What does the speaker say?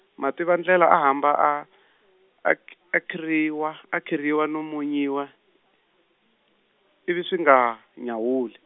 Mativandlela a hamba a, a khi- a khirhiwa a khirhiwa no monyiwa, ivi swi nga nyawuli.